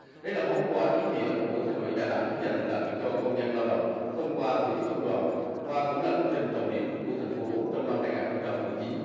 đây là món quà ý nghĩa của thành ủy đà nẵng dành tặng cho công nhân lao động thông qua tổ chức công đoàn và cũng là công trình trọng điểm của thành phố trong năm hai ngàn không trăm mười chín